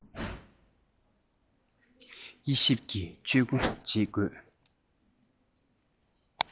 དབྱེ ཞིག ཀྱི དཔྱོད སྒོ འབྱེད དགོས